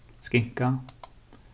skinka